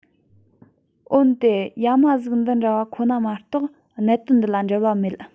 འོན ཏེ ཡ མ གཟུགས འདི འདྲ བ ཁོ ན མ གཏོགས གནད དོན འདི ལ འབྲེལ བ མེད